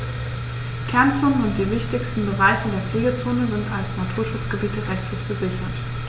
Kernzonen und die wichtigsten Bereiche der Pflegezone sind als Naturschutzgebiete rechtlich gesichert.